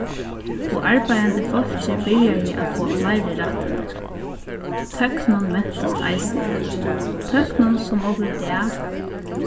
og arbeiðandi fólkið byrjaði at fáa fleiri rættindi tøknin mentist eisini tøknin sum okur í dag